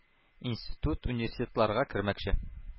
Институт-университетларга кермәкче.